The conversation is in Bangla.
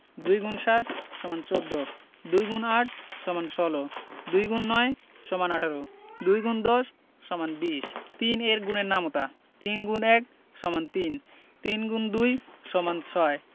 ২ X ৭ = ১৪ ২ X ৮ = ১৬ ২ X ৯ = ১৮ ২ ×১০ = ২০ ৩ এর গুণের নামতা ৩ X ১ = ৩ ৩ X ২ = ৬